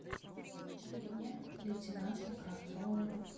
три дня лейтенанта кравцова